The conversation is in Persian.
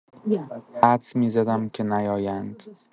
حدس می‌زدم که نیایند.